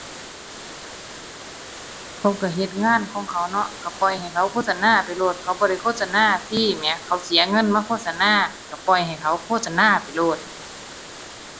เขาก็เฮ็ดงานของเขาเนาะ ก็ปล่อยให้เขาโฆษณาไปโลด เขาบ่ได้โฆษณาฟรีแหม เขาเสียเงินมาโฆษณา ก็ปล่อยให้เขาโฆษณาไปโลด ⁠